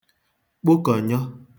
kpokọnyọ